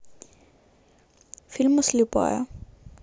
фильмы слепая